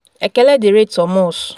Ekele dịịrị Thomas.